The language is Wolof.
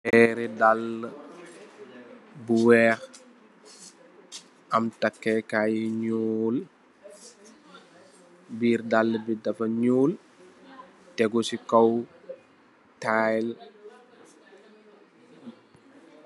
Pehrri daalu bu wekh, am takeh kaii yu njull, birr daalu bii dafa njull, tehgu cii kaw tile.